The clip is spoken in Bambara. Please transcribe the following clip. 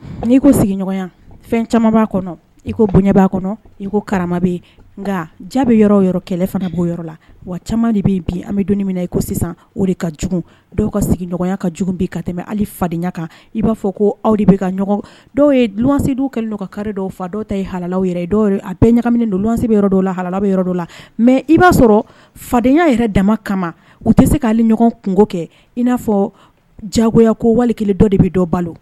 N'i ko sigiɲɔgɔnya fɛn caman' kɔnɔ iko bonya b'a kɔnɔ i ko karama bɛ nka jaabi yɔrɔ yɔrɔ kɛlɛ fana bɔ yɔrɔ la wa caman de bɛ bi ami bɛ don min i ko sisan o de ka j dɔw ka sigiɲɔgɔnya ka bin ka tɛmɛ hali fadenya kan i b'a fɔ ko aw de bɛ ka dɔw yelanse kɛlɛ donka kari dɔw fa dɔ ta ye hala dɔw a bɛ ɲagamina don se yɔrɔ dɔw la hala bɛ yɔrɔ la mɛ i b'a sɔrɔ fadenyaya yɛrɛ dama kama u tɛ se kaale ɲɔgɔn kungo kɛ i n'a fɔ jagoya ko wali kelen dɔ de bɛ dɔ balo